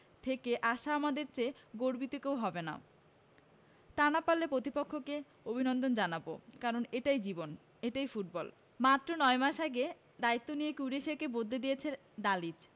থেকে আসা আমাদের চেয়ে গর্বিত কেউ হবে না তা না পারলে প্রতিপক্ষকে অভিনন্দন জানাব কারণ এটাই জীবন এটাই ফুটবল মাত্র ৯ মাস আগে দায়িত্ব নিয়ে ক্রোয়েশিয়াকে বদলে দিয়েছেন দালিচ